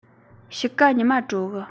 དཔྱིད ཀ ཉི མོ དྲོ གི